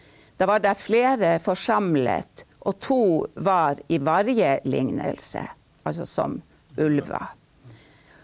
det var der flere forsamlet, og to var i vargelignelse, altså som ulver.